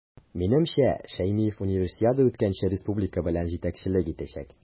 Минемчә, Шәймиев Универсиада үткәнче республика белән җитәкчелек итәчәк.